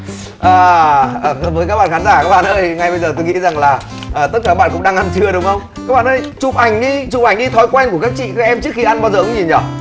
à với các bạn khán giả các bạn thì ngay bây giờ tôi nghĩ rằng là là tất cả bạn cũng đang ăn trưa đúng không các bạn ơi chụp ảnh đi chụp ảnh đi thói quen của các chị các em trước khi ăn bao giờ cũng gì nhở